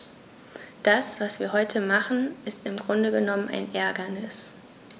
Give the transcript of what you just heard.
Das, was wir heute machen, ist im Grunde genommen ein Ärgernis.